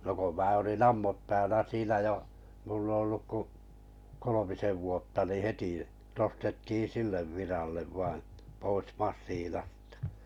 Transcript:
no kun minä olin ammuspäänä siinä jo minulla ollut kuin kolmisen vuotta niin heti nostettiin sille viralle vain pois masiinasta